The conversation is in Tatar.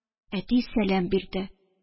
Әти сәлам бирде.